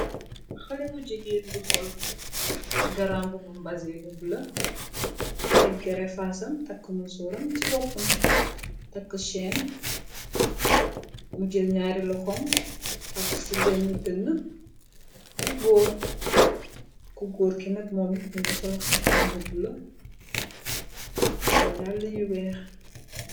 Xale wu jegeen bu sol garam b bu mbasé bu bula tegg refaasam takk mu sooram ci boppam takk cheen mujjël ñaari loxom taf ci benn dën ku góor ki nag moo mit muni sol xaftaan bu bula sol dal yu weex.